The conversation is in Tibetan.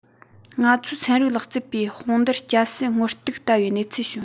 ང ཚོའི ཚན རིག ལག རྩལ པའི དཔུང སྡེར སྐྱ ཟད སྔོ གཏུག ལྟ བུའི གནས ཚུལ བྱུང